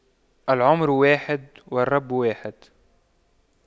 العمر واحد والرب واحد